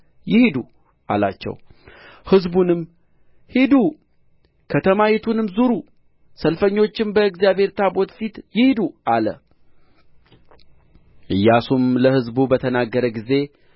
ይሂዱ አላቸው ሕዝቡንም ሂዱ ከተማይቱንም ዙሩ ሰልፈኞችም በእግዚአብሔር ታቦት ፊት ይሂዱ አለ ኢያሱም ለሕዝቡ በተናገረ ጊዜ